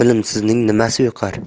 bilimsizning nimasi yuqar